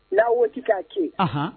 N'a waatiti k'a kɛ